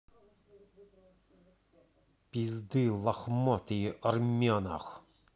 пизды лохматые армянах